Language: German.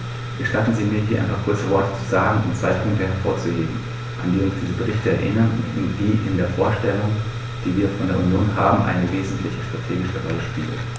Gestatten Sie mir, hier ein paar kurze Worte zu sagen, um zwei Punkte hervorzuheben, an die uns diese Berichte erinnern und die in der Vorstellung, die wir von der Union haben, eine wesentliche strategische Rolle spielen.